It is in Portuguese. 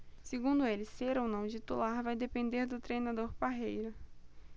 segundo ele ser ou não titular vai depender do treinador parreira